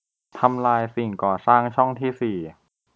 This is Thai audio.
ทำลายสิ่งก่อสร้างช่องที่สี่